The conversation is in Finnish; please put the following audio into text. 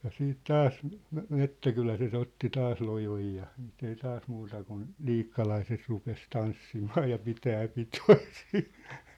ja sitten taas - metsäkyläläiset otti taas lojon ja sitten ei taas muuta kuin liikkalaiset rupesi tanssimaan ja pitämään pitoja siinä